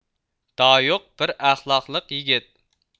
دايۇق بىر ئەخلاقلىق يىگىت